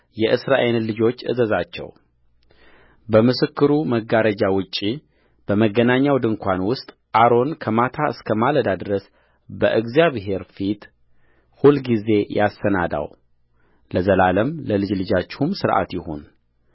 የእስራኤልን ልጆች እዘዛቸውበምስክሩ መጋረጃ ውጭ በመገናኛው ድንኳን ውስጥ አሮን ከማታ እስከ ማለዳ ድረስ በእግዚአብሔር ፊት ሁልጊዜ ያሰናዳው ለዘላለም ለልጅ ልጃችሁ ሥርዓት ይሁን